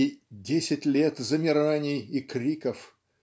и "десять лет замираний и криков